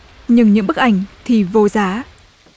nhưng những bức ảnh thì vô giá